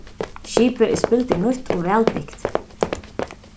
skipið er spildurnýtt og væl bygt